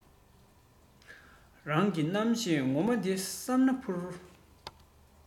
རང གི རྣམ ཤེས ངོ མ དེ བསམ ན འཕུར